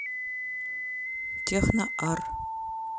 техно ар